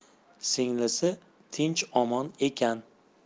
singlisi tinch omon ekan